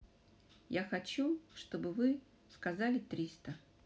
я хочу чтобы вы сказали триста